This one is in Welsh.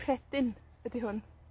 Rhedyn ydi hwn.